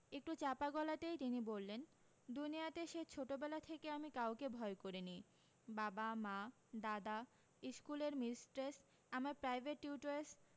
একটু চাপা গলাতেই তিনি বললেন দুনিয়াতে সেই ছোটবেলা থেকে আমি কাউকে ভয় করি নি বাবা মা দাদা ইসকুলের মিস্ট্রেস আমার প্রাইভেট টিউটরেস